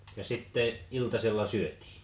ja sitten iltasella syötiin